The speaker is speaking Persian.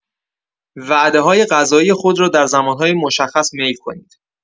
وعده‌های غذایی خود را در زمان‌های مشخص میل کنید.